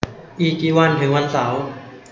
อีกกี่วันถึงวันเสาร์